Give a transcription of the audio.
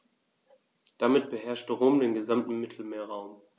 Damit beherrschte Rom den gesamten Mittelmeerraum.